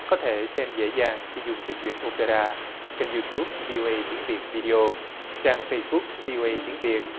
có thể xem dễ dàng khi dùng trình duyệt ô pê ra kênh riu túp vi ô guây tiếng việt vi đê ô trang phây búc vi ô guây tiếng việt